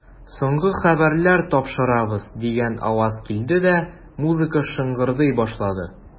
Соңгы хәбәрләр тапшырабыз, дигән аваз килде дә, музыка шыңгырдый башлады.